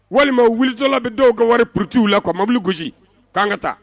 Walima wulijɔla bɛ dɔw ka wari ptew la ko mobili gosi k'an ka taa